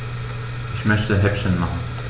Ich möchte Häppchen machen.